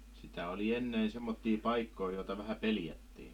sitä oli ennen semmoisia paikkoja joita vähän pelättiin